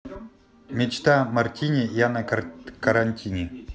мечта мартини я на карантине